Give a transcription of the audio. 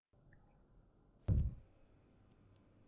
རྒྱུགས རའི ཕྱོགས སུ སྐྱོད